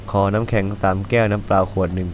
ขอน้ำแข็งสามแก้วน้ำเปล่าขวดหนึ่ง